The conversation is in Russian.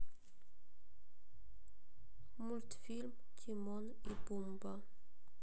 мультфильм тимон и пумба